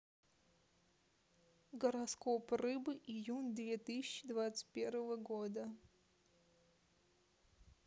гороскоп рыбы июнь две тысячи двадцать первого года